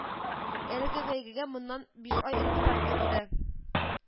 Әлеге бәйгегә моннан биш ай элек старт бирелде